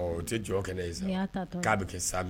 Tɛ jɔ kɛnɛ ye zan k'a bɛ kɛ sa